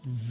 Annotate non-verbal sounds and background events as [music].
[hesitation] [hesitation]